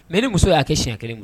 Mɛ ni muso y'a kɛ siɲɛ kelen ye